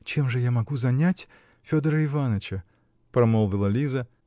-- Чем же я могу запять Федора Иваныча? -- промолвила Лиза.